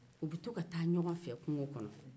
u bɛ to ka taa ɲɔgɔn fɛ kungo kɔnɔ